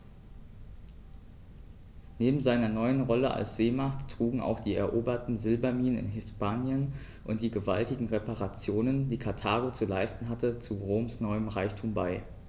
Neben seiner neuen Rolle als Seemacht trugen auch die eroberten Silberminen in Hispanien und die gewaltigen Reparationen, die Karthago zu leisten hatte, zu Roms neuem Reichtum bei.